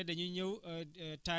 waaye da ñuy xëy di rootaani